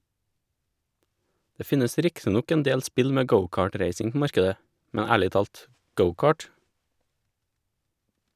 Det finnes riktig nok endel spill med go-cart-racing på markedet, men ærlig talt - go-cart?